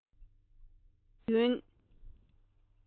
ལོ གཅིག གི དུས ཡུན